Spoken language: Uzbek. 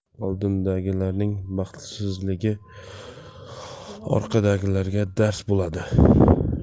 oldindagilarning baxtsizligi orqadagilarga dars bo'ladi